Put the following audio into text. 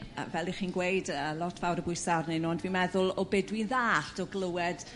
yrr fel 'ych chi'n gweud yrr a lot fawr o bwyse arnyn nhw ond dw meddwl o be' dwi'n ddallt o glywed